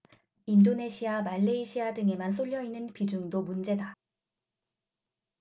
인도네시아 말레이시아 등에만 쏠려 있는 비중도 문제다